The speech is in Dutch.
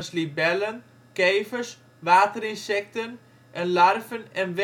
libellen, kevers, waterinsecten en larven en